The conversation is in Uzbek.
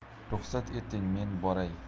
ruxsat eting men boray